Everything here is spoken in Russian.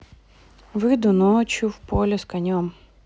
выйду ночью в поле с конем